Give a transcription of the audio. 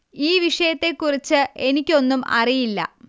ഈ വിഷയത്തെക്കുറിച്ച് എനിക്ക് ഒന്നും അറിയില്ല